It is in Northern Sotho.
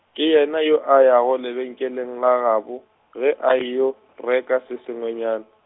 ke yena yoo a yago lebenkeleng la gabo, ge a yeo, reka se sengwenyana.